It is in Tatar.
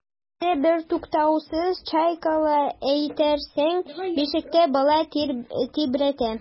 Үзе бертуктаусыз чайкала, әйтерсең бишектә бала тибрәтә.